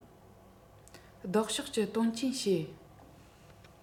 ལྡོག ཕྱོགས ཀྱི དོན རྐྱེན བཤད